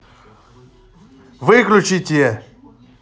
выключите